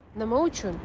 nima uchun